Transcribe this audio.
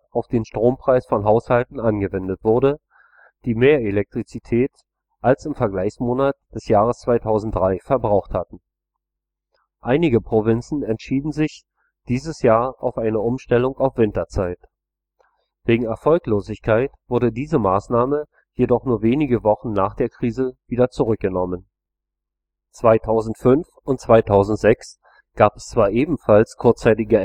auf den Strompreis von Haushalten angewendet wurde, die mehr Elektrizität als im Vergleichsmonat des Jahres 2003 verbraucht hatten. Einige Provinzen entschieden sich dieses Jahr für eine Umstellung auf Winterzeit. Wegen Erfolglosigkeit wurde diese Maßnahme jedoch nur wenige Wochen nach der Krise wieder zurückgenommen. 2005 und 2006 gab es zwar ebenfalls kurzzeitige